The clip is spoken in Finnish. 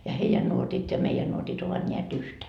ja heidän nuotit ja meidän nuotit ovat näet yhtä